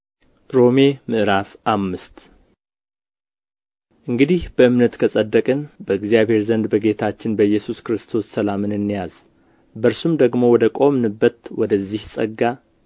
ሮሜ ምዕራፍ አምስት እንግዲህ በእምነት ከጸደቅን በእግዚአብሔር ዘንድ በጌታችን በኢየሱስ ክርስቶስ ሰላምን እንያዝ በእርሱም ደግሞ ወደ ቆምንበት ወደዚህ ጸጋ